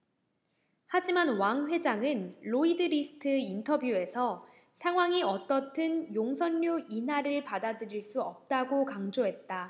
하지만 왕 회장은 로이드리스트 인터뷰에서 상황이 어떻든 용선료 인하를 받아들일 수 없다고 강조했다